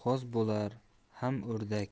g'oz bo'lar ham o'rdak